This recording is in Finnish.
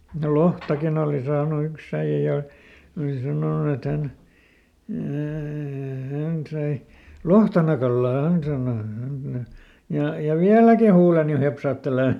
no lohtakin oli saanut yksi äijä ja oli sanonut että hän - hän sai lohtanakalaa hän sanoi ja ja vieläkin huuleni hepsahtelee